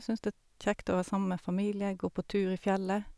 Syns det er kjekt å være sammen med familie, gå på tur i fjellet.